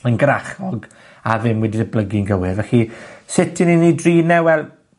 Mae'n grachog, a ddim wedi datblygu'n gywir. Felly, sut 'yn ni'n 'i drin e? Wel,